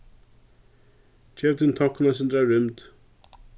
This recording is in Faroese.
gev tínum tonkum eitt sindur av rúmd